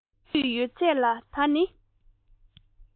གཏམ རྒྱུད ཡོད ཚད ལ ད ནི